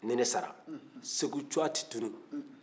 ni ne sara segu tɔgɔ tɛ tunun